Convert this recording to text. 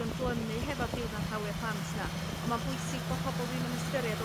ymglymu hefo'r diwrnod hawlia' plant 'na ond ma'n bwysig bo' pobol ddim yn ystyried o